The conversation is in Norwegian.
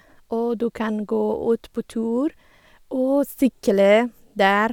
Og du kan gå ut på tur og sykle der.